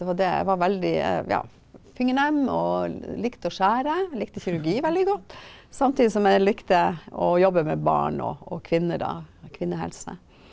det var det jeg var veldig ja fingernem og likte å skjære, likte kirurgi veldig godt samtidig som jeg likte å jobbe med barn og og kvinner da kvinnehelse.